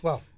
waaw